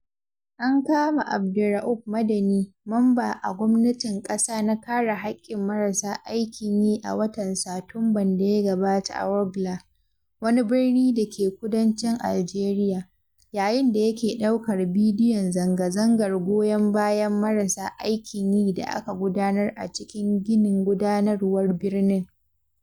An kama Abderaouf Madani, memba a kwamitin ƙasa na kare haƙƙin marasa aikin yi a watan Satumban da ya gabata a Ouargla, wani birni dake kudancin Aljeriya, yayin da yake ɗaukar bidiyon zanga-zangar goyon bayan marasa aikin yi da aka gudanar a cikin ginin gudanarwar birnin.